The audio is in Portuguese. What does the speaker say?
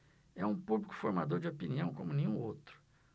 é um público formador de opinião como nenhum outro